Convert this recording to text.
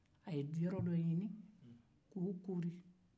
a ye du yɔrɔ dɔ ɲini k'o kori